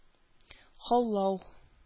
Һаулау